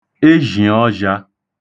ezhìọzha